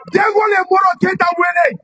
Cɛ wuli kɔrɔ cɛ ta wuli